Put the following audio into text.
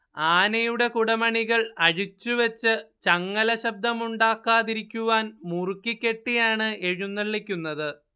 ആനയുടെ കുടമണികൾ അഴിച്ചുവെച്ച് ചങ്ങല ശബ്ദമുണ്ടാക്കാതിരിക്കുവാൻ മുറുക്കി കെട്ടിയാണ് എഴുന്നള്ളിക്കുന്നത്